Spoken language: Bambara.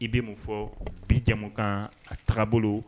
I bɛ mun fɔ bi jɛmukan a taga bolo